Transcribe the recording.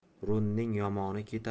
running yomoni ketar